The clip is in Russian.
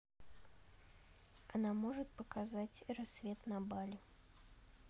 она может показать рассвет на бали